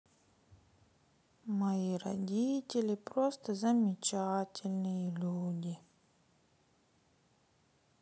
мои родители просто замечательные люди